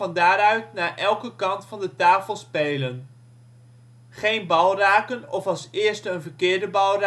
daaruit naar elke kant van de tafel spelen. Geen bal raken of als eerste een verkeerde bal raken